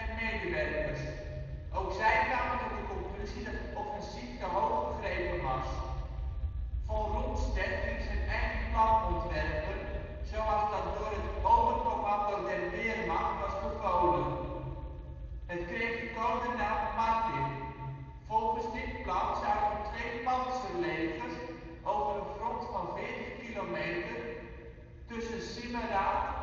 medewerkers. Ook zij kwamen tot de conclusie dat het offensief te hoog gegrepen was. Von Rundstedt ging zijn eigen plan ontwerpen, zoals dat door het Oberkommando der Wehrmacht (OKW) was bevolen. Het kreeg de codenaam ' Martin '. Volgens dit plan zouden twee pantserlegers over een front van veertig kilometer tussen Simmerath